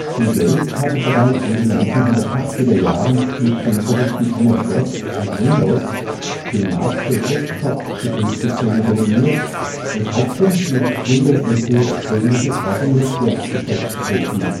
Bill Gates hatte bereits in den 1980er-Jahren mit den Produkten MS-DOS und Windows den Markt für Desktopbetriebssysteme dominiert und hoffte, mit Windows NT ähnliches auch im Netzwerkgeschäft zu vollziehen